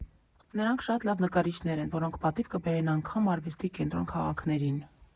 Նրանք շատ լավ նկարիչներ են, որոնք պատիվ կբերեն անգամ արվեստի կենտրոն քաղաքներին։